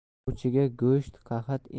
ovchiga go'sht qahat